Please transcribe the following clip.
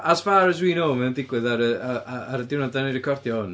As far as we know, mae o yn digwydd ar y, yy, ar y diwrnod dan ni'n recordio hwn.